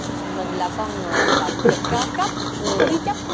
mình là con người động vật cao cấp mà đi chấp